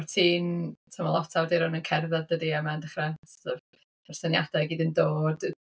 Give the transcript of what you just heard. Wyt ti'n... timod ma' lot o awduron yn cerdded dydy a mae'n dechra sort of... Mae'r syniadau i gyd yn dod.